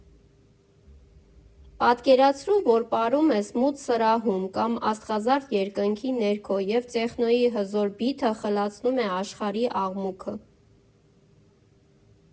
Պատկերացրու, որ պարում ես մութ սրահում կամ աստղազարդ երկնքի ներքո և տեխնոյի հզոր բիթը խլացնում է աշխարհի աղմուկը։